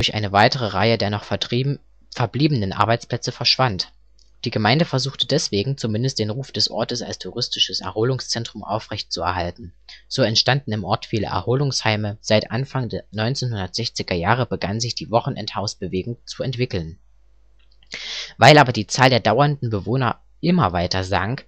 eine weitere Reihe der noch verbliebenen Arbeitsplätze verschwand. Die Gemeinde versuchte deswegen, zumindest den Ruf des Ortes als touristisches Erholungszentrum aufrechtzuerhalten. So entstanden im Ort viele Erholungsheime; seit Anfang der 1960er Jahre begann sich die Wochenendhaus-Bewegung zu entwickeln. Weil aber die Zahl der dauernden Bewohner immer weiter sank